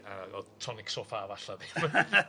a o'dd tonic so' ffa falla ddim wedi.